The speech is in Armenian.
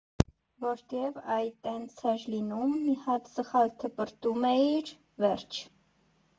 Որտև այ տենց էր լինում, մի հատ սխալ թփրտում էիր՝ վերջ։